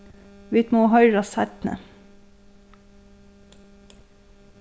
vit mugu hoyrast seinni